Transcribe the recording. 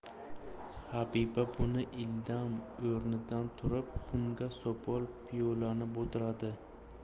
habiba buvi ildam o'rnidan turib xumga sopol piyolani botiradi